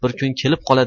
bir kun kelib qoladi